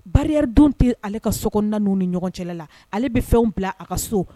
Barrière dun tɛ ale ka sokɔnɔ na ani u ni ɲɔgɔn cɛla la , ale bɛ fɛnw bila a ka so